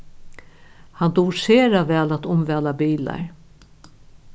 hann dugir sera væl at umvæla bilar